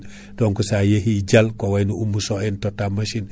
donc sa yeehi Dial ko wayno Oumou Sow en totta machine ;fra